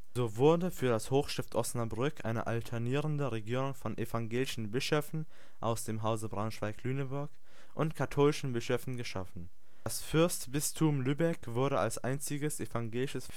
So wurde für das Hochstift Osnabrück eine alternierende Regierung von evangelischen Bischöfen (aus dem Hause Braunschweig-Lüneburg) und katholischen Bischöfen geschaffen. Das Fürstbistum Lübeck wurde als einziges evangelisches